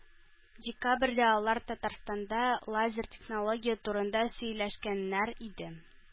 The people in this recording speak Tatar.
Декабрьдә алар Татарстанда лазер технология турында сөйләшкәннәр иде.